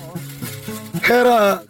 O kɛra